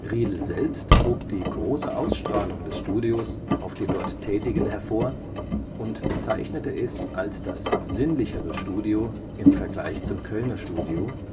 Riedl selbst hob die „ große Ausstrahlung “des Studios auf die dort Tätigen hervor und bezeichnete es als das „ sinnlichere “Studio im Vergleich zum Kölner Studio,